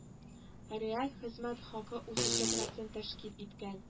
Реаль хезмәт хакы үсеше процент тәшкил иткән